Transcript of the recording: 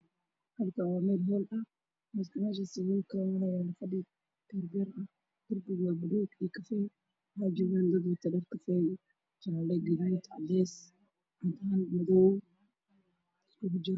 Halkaan waa meel hool ah waxaa yaalo fadhi , darbiga waa gaduud iyo kafay, waxaa joogo dad wato dhar kafay, jaale, cadeys, madow, cadaan iskugu jiro.